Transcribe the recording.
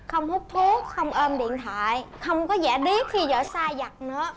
không hút thuốc không ôm điện thoại không có giả điếc khi vợ sai vặt nữa